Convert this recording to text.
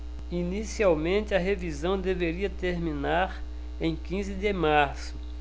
inicialmente a revisão deveria terminar em quinze de março